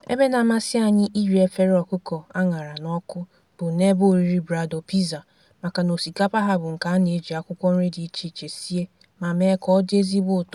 Ebe na-amasị anyị iri efere ọkụkọ aṅara n'ọkụ bụ n'ebe oriri Brador Pizza, maka na osikapa ha bụ nke a na-eji akwụkwọ nri dị iche iche sie mee ka ọ dị ezigbo ụtọ.